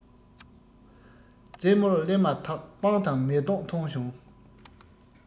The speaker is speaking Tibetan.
རྩེ མོར སླེབས མ ཐག པ སྤང དང མེ ཏོག མཐོང བྱུང